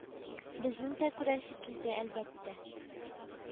Безнең дә күрәсе килде, әлбәттә